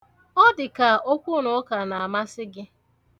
Ọ dịka okwunụụka na-amasị gị.